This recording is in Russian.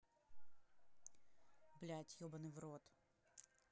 блядь ебаный в рот